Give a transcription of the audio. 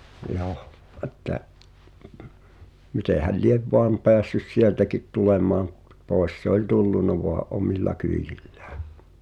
joo että mitenhän lie vain päässyt sieltäkin tulemaan - pois se oli tullut vain omilla kyydillään